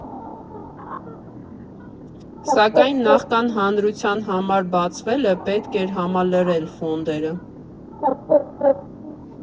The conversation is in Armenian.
Սակայն նախքան հանրության համար բացվելը պետք էր համալրել ֆոնդերը։